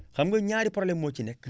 xam nga ñaari problèmes moo ci nekk